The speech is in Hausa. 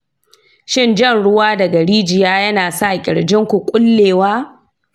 shin jan ruwa daga rijiya ya na sa ƙirjin ku ƙullewa?